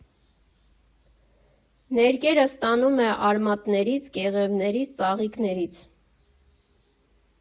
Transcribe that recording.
Ներկերը ստանում է արմատներից, կեղևներից, ծաղիկներից։